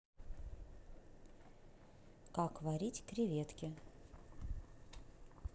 как варить креветки